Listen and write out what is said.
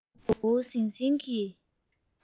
འུར འུར ཟིང ཟིང གིས